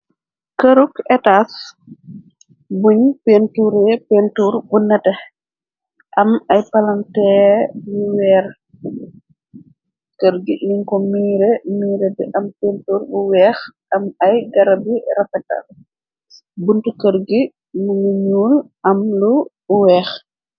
Këruk etas buñ penture , pentur bu nate. Am ay palantee bu weer, kërgi liñ ko miire, miire di am pentur bu weex am ay garab yi rafetal, buntu kër gi munu ñuul am lu weex.